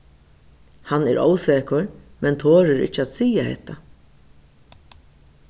hann er ósekur men torir ikki at siga hetta